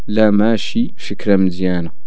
لا ماشي فكرة مزيانة